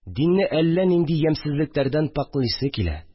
Динне әллә нинди ямьсезлекләрдән пакълисе килә